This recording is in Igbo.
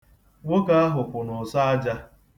Nwoke ahụ kwụ n'ụsọ aja.